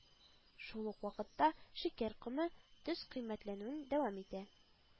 Шул ук вакытта шикәр комы, тоз кыйммәтләнүен дәвам итә